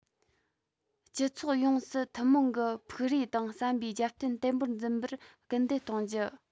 སྤྱི ཚོགས ཡོངས སུ ཐུན མོང གི ཕུགས རེ དང བསམ པའི རྒྱབ རྟེན བརྟན པོར འཛིན པར སྐུལ འདེད གཏོང རྒྱུ